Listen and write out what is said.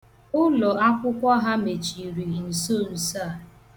Ụlọakwụkwọ ha mechiri nsonso a.